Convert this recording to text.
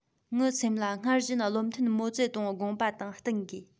ངའི སེམས ལ སྔར བཞིན བློ མཐུན མའོ ཙེ ཏུང དགོངས པ དང བསྟུན དགོས